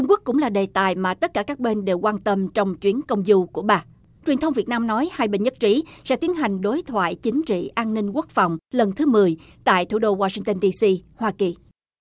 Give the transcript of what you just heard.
quốc cũng là đề tài mà tất cả các bên đều quan tâm trong chuyến công du của bà truyền thông việt nam nói hai bên nhất trí sẽ tiến hành đối thoại chính trị an ninh quốc phòng lần thứ mười tại thủ đô goa sinh tơn đi xi hoa kỳ